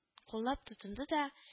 Куллап тотынды да